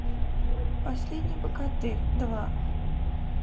последний богатырь два